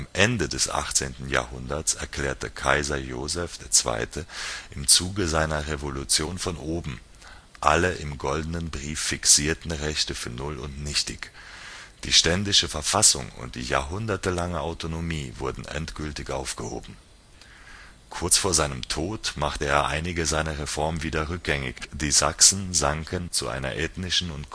Ende des 18. Jh. erklärte Kaiser Joseph II. im Zuge seiner „ Revolution von oben “alle im „ Goldenen Brief “fixierten Rechte für null und nichtig. Die ständische Verfassung und die jahrhundertelange Autonomie wurden endgültig aufgehoben. Kurz vor seinem Tod machte er einige seiner Reformen wieder rückgängig. Die Sachsen sanken zu einer ethnischen